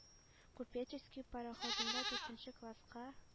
“купеческий“ пароходына, дүртенче класска